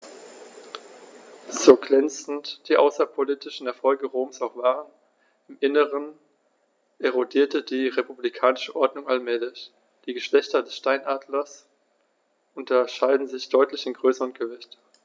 So glänzend die außenpolitischen Erfolge Roms auch waren: Im Inneren erodierte die republikanische Ordnung allmählich. Die Geschlechter des Steinadlers unterscheiden sich deutlich in Größe und Gewicht.